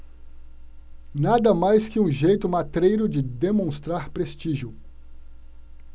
nada mais que um jeito matreiro de demonstrar prestígio